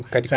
kaadi sa